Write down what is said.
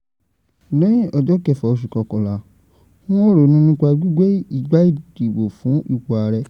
Lẹ́yìn ọjọ́ kẹfà oṣù kọọkànlá, n ó ronú nípa gbígbé igbá ìdìbò fún ipò ààrẹ.